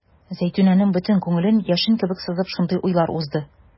Зәйтүнәнең бөтен күңелен яшен кебек сызып шундый уйлар узды.